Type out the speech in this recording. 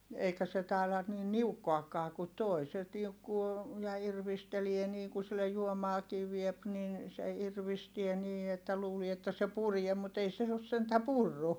eikä se taida niin niukkoakaan kuin tuo se niukkoo ja irvistelee niin kun sille juomaakin vie niin se irvistää niin että luulee että se puree mutta ei ole sentään purrut